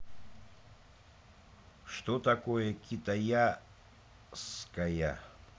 что такое китаяская